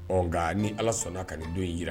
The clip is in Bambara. Ɔ nka ni ala sɔnna ka nin don jira